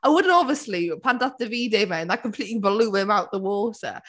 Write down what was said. A wedyn obviously, pan daeth Davide mewn, that completely blew him out the water.